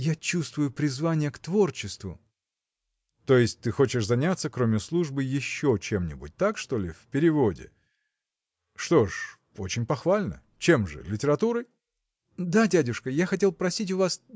– Я чувствую призвание к творчеству. – То есть ты хочешь заняться кроме службы еще чем-нибудь – так что ли в переводе? Что ж, очень похвально: чем же? литературой? – Да дядюшка я хотел просить вас